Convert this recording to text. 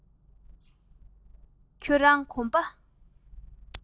ཁྱོད རང གོམ པ